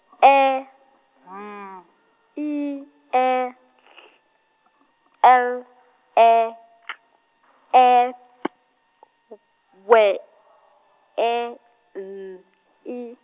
E M I E L E K E T W E N I.